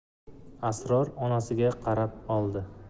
asror onasiga qarab oldi